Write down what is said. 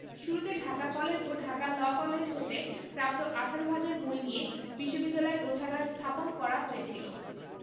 শুরুতে ঢাকা কলেজ ও Dhaka law college হতে প্রাপ্ত ১৮ হাজার বই নিয়ে বিশ্ববিদ্যালয় গ্রন্থাগার স্থাপন করা হয়েছিল